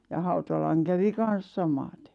ja Hautalan kävi kanssa samaten